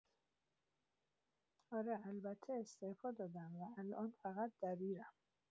آره، البته استعفا دادم و الان فقط دبیرم